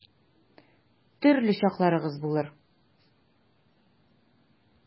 Төрле чакларыгыз булыр.